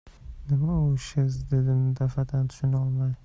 nima u shz dedim dafatan tushunolmay